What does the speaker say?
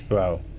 waaw